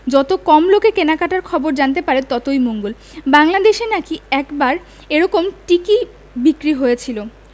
যত কম লোকে কেনাকাটার খবরটা জানতে পারে ততই মঙ্গল বাঙলা দেশে নাকি একবার এরকম টিকি বিক্রি হয়েছিল